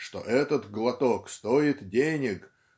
что этот глоток стоит денег